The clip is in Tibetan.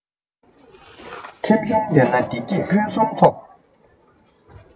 ཁྲིམས གཞུང ལྡན ན བདེ སྐྱིད ཕུན སུམ ཚོགས